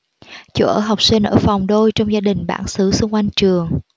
chỗ ở học sinh ở phòng đôi trong gia đình bản xứ xung quanh trường